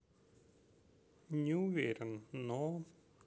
не уверен но